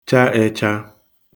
cha ẹcha